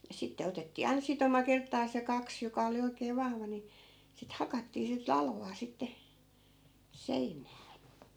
ja sitten otettiin aina sitoma kertaansa ja kaksi joka oli oikein vahva niin sitä hakattiin sitten latvaa sitten seinään